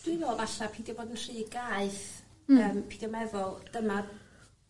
Dwi me'wl falla pidio bod yn rhy gaeth... Hmm. ...yym pidio meddwl dyma